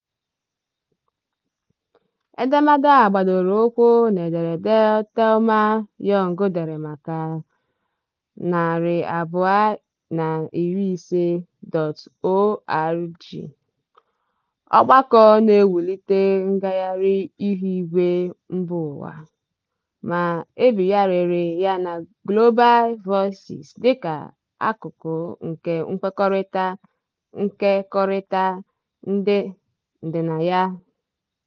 Edemede a gbadoro ụkwụ n'ederede Thelma Young dere maka 350.org, ọgbakọ na-ewulite ngagharị ihuigwe mbaụwa, ma e bigharịrị ya na Global Voices dịka akụkụ nke nkwekọrịta-nkekọrịta ndịnaya.